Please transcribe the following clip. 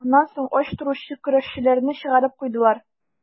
Аннан соң ач торучы көрәшчеләрне чыгарып куйдылар.